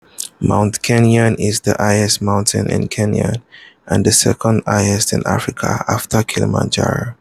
Mount Kenya is the highest mountain in Kenya and the second highest in Africa, after Kilimanjaro.